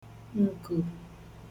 ǹkò